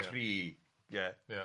cri, ie? Ia.